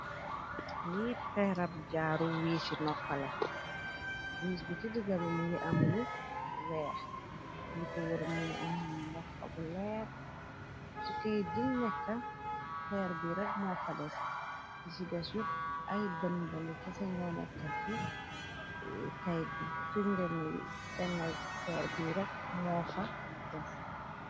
li peerab jaaru wiis ci noppala wiis bi ci diga bi mungi am lu weex li ko war mungi am baxa bu leer ci kay diñ nekka peer bi rek moo fa des di ci des yópp ay bën bani kese ñoo nekka ci kay bi findena y 1nn peer bi rek moo fa des